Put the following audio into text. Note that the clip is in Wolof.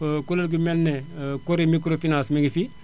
kuréel gu men ne Cauris microfinance mi ngi fi